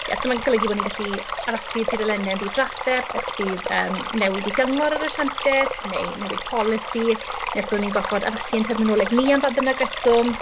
Ie, so ma'n golygu bod ni'n gallu addasu tudalennau yn ddi-drafferth os bydd yym newid i gyngor yr asianteth neu newid polisi, neu os byddwn ni'n gorfod addasu ein terminoleg ni am ba bynnag reswm.